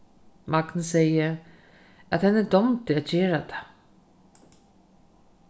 magni segði at henni dámdi at gera tað